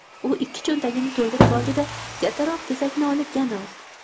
u ikki cho'ntagini to'ldirib oldi da kattaroq kesakni olib yana otdi